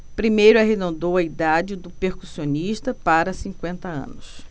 primeiro arredondou a idade do percussionista para cinquenta anos